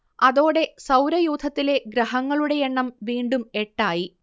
അതോടെ സൗരയൂഥത്തിലെ ഗ്രഹങ്ങളുടെയെണ്ണം വീണ്ടും എട്ടായി